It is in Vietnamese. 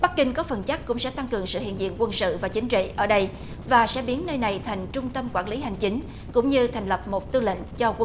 bắc kinh có phần chắc cũng sẽ tăng cường sự hiện diện quân sự và chính trị ở đây và sẽ biến nơi này thành trung tâm quản lý hành chính cũng như thành lập một tư lệnh cho